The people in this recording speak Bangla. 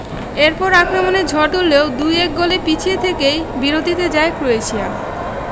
এরপর আক্রমণের ঝড় তুললেও ২ ১ গোলে পিছিয়ে থেকেই বিরতিতে যায় ক্রোয়েশিয়া